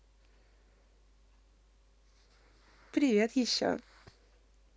привет еще